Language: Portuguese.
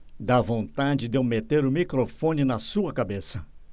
dá vontade de eu meter o microfone na sua cabeça